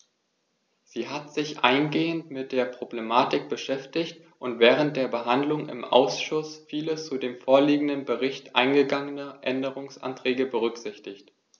Sie hat sich eingehend mit der Problematik beschäftigt und während der Behandlung im Ausschuss viele zu dem vorliegenden Bericht eingegangene Änderungsanträge berücksichtigt.